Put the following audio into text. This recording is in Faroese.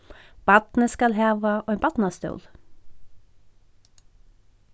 barnið skal hava ein barnastól